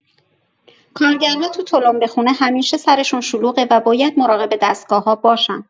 کارگرها تو تلمبه‌خونه همیشه سرشون شلوغه و باید مراقب دستگاه‌ها باشن.